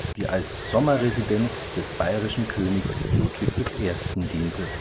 die als Sommerresidenz des bayerischen Königs Ludwig I. diente